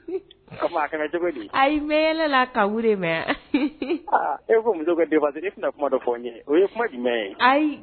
E muso i tɛna kuma dɔ fɔ kuma jumɛn